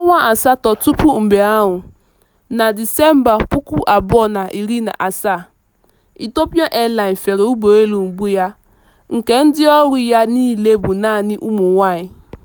Ọnwa asatọ tupu mgbe ahụ, na Disemba 2017, Ethiopian Airlines fere ụgbọelu mbụ ya nke ndịọrụ ya niile bụ naanị ụmụnwaanyị.